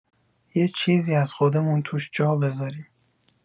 یه چیزی از خودمون توش جا بذاریم.